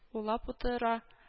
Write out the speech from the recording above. Улап утыра